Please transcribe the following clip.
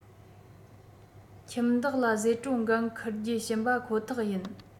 ཁྱིམ བདག ལ བཟོས སྤྲོད འགན འཁུར རྒྱུ བྱིན པ ཁོ ཐག ཡིན